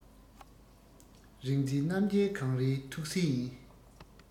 རིག འཛིན རྣམ རྒྱལ གངས རིའི ཐུགས སྲས ཡིན